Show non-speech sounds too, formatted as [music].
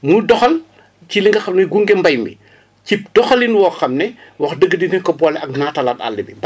ñu doxal ci li nga xam ne gunge mbéy mi cib doxalin yoo xam ne [breath] wax dëgg dinañ ko boole ak naatalaat àll bi